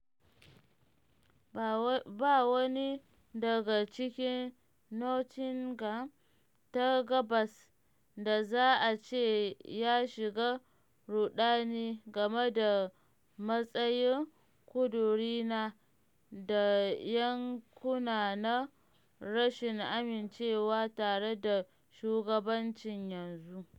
Ba wani daga cikin Nottingham ta Gabas da za a ce ya shiga ruɗani game da matsayin ƙudurina da yankuna na rashin amincewa tare da shugabancin yanzu.